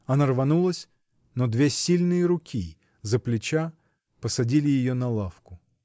Она рванулась, но две сильные руки за плеча посадили ее на лавку.